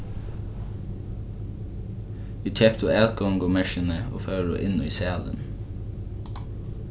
vit keyptu atgongumerkini og fóru inn í salin